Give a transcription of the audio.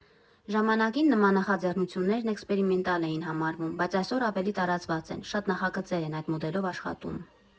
Ժամանակին նման նախաձեռնություններն էքսպերիմենտալ էին համարվում, բայց այսօր ավելի տարածված են, շատ նախագծեր են այդ մոդելով աշխատում»։